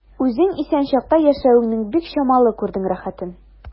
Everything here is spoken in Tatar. Үзең исән чакта яшәвеңнең бик чамалы күрдең рәхәтен.